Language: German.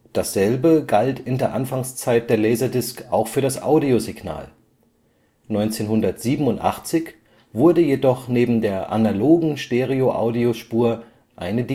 Dasselbe galt in der Anfangszeit der Laserdisc auch für das Audiosignal, 1987 wurde jedoch neben der analogen Stereo-Audiospur eine